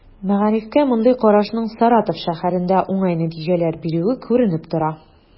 Мәгарифкә мондый карашның Саратов шәһәрендә уңай нәтиҗәләр бирүе күренеп тора.